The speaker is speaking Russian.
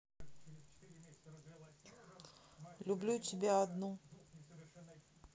люблю тебя одну